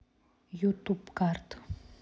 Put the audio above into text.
ютуб карт